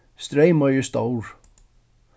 streymoy er stór